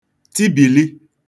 tibìli